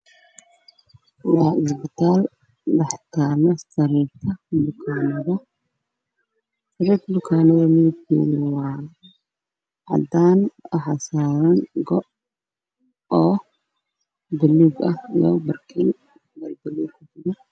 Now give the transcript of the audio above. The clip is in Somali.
Waa isbitaal waxaa yaalo sariir ta bukaanka